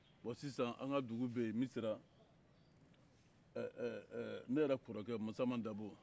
bon sisan an ka dugu bɛ yen misira ɛɛ ne yɛrɛ kɔrɔkɛ masaman dabo